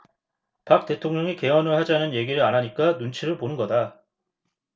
박 대통령이 개헌을 하자는 얘기를 안 하니까 눈치를 보는 거다